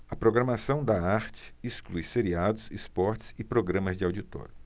a programação da arte exclui seriados esportes e programas de auditório